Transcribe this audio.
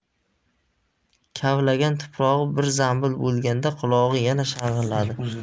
kavlagan tuprog'i bir zambil bo'lganda qulog'i yana shang'illadi